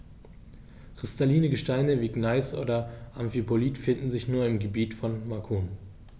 Kristalline Gesteine wie Gneis oder Amphibolit finden sich nur im Gebiet von Macun.